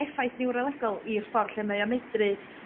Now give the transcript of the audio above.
effaith niwralegol i'r ffor lle mae o medru